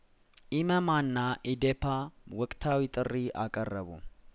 ኢመማና ኢዴፓ ወቅታዊ ጥሪ አቀረቡ